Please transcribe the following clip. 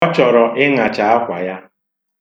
Ọ chọrọ ịṅacha akwa ya.